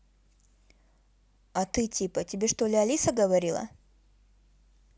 а ты типа тебе что ли алиса говорила